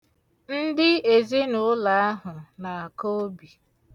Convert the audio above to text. Ndị ezinụụlọ ahụ na-aka obi.